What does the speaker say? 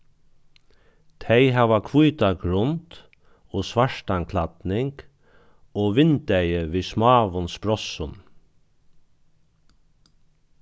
tey hava hvíta grund og svartan klædning og vindeygu við smáum sprossum